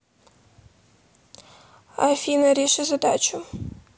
афина реши задачу